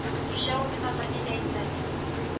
Хәзер өен яфрак белән бизәүче юк.